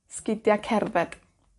'sgidia cerdded.